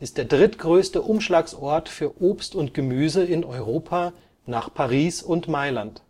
ist der drittgrößte Umschlagsort für Obst und Gemüse in Europa nach Paris und Mailand